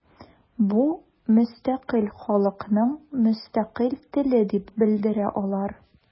Бу – мөстәкыйль халыкның мөстәкыйль теле дип белдерә алар.